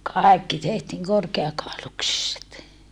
kaikki tehtiin korkeakauluksiset